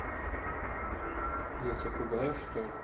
я тебя пугаю что ли